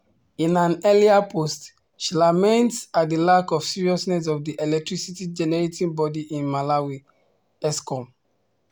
In an earlier post, she laments at the lack of seriousness of the electricity generating body in Malawi ESCOM.